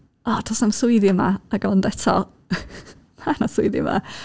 O, does 'na'm swyddi yma. Ond eto mae 'na swyddi yma.